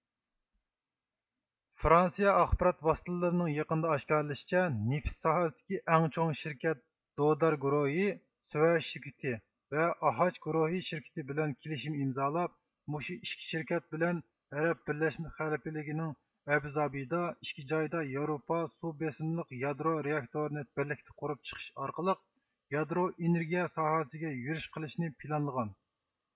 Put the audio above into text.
فرانسىيە ئاخبارات ۋاستىلىرىنىڭ يېقىندا ئاشكارلىشىچە نېفىت ساھەسىدىكى ئەڭ چوڭ شىركەت دودار گۇرۇھى سۈۋەيش شىركىتى ۋە ئاھاچ گۇرۇھى شىركىتى بىلەن كېلىشىم ئىمزالاپ مۇشۇ ئىككى شىركەت بىلەن ئەرەپ بىرلەشمە خەلىپىلىكىنىڭ ئەبۇزەبىدا ئىككى جايدا ياۋروپا سۇ بېسىملىق يادرو رېئاكتورىنى بىرلىكتە قۇرۇپ چىقىش ئارقىلىق يادرو ئېنېرگىيە ساھەسىگە يۈرۈش قىلىشنى پىلانلىغان